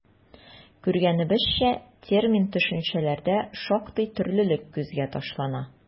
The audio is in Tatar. Күргәнебезчә, термин-төшенчәләрдә шактый төрлелек күзгә ташлана.